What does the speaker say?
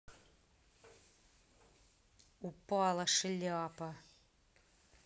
упала шляпа